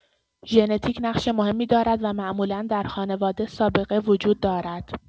ژنتیک نقش مهمی دارد و معمولا در خانواده سابقه وجود دارد.